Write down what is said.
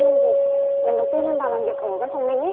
nhân dịp lần đầu tiên em vào làm việc ở văn phòng mình ý